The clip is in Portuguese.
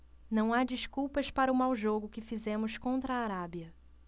não há desculpas para o mau jogo que fizemos contra a arábia